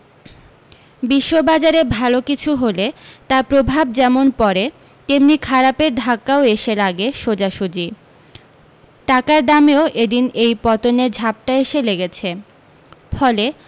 বিশ্ববাজারে ভাল কিছু হলে তার প্রভাব যেমন পড়ে তেমনি খারাপের ধাক্কাও এসে লাগে সোজাসুজি টাকার দামেও এদিন এই পতনের ঝাপটা এসে লেগেছে ফলে